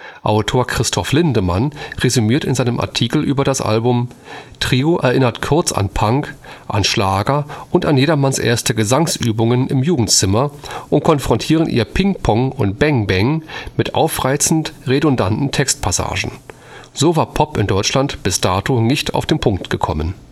Autor Christoph Lindemann resümiert in seinem Artikel über das Album: „ Trio erinnerten kurz an Punk, an Schlager und an jedermanns erste Gesangsübungen im Jugendzimmer und konfrontierten ihr Pling-Pling und Bäng-Bäng mit aufreizend redundanten Textpassagen. So war Pop in Deutschland bis dato nicht auf den Punkt gekommen